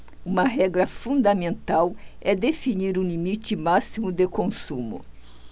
uma regra fundamental é definir um limite máximo de consumo